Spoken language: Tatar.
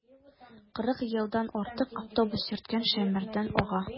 Кырык елдан артык автобус йөрткән Шәймәрдан ага.